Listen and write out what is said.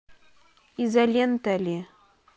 изолента ли